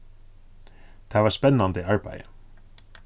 tað var spennandi arbeiði